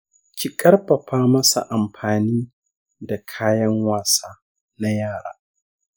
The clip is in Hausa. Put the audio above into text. ki karfafa masa amfani da kayan wasa na yara.